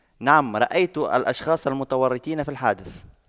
نعم رأيت الأشخاص المتورطين في الحادث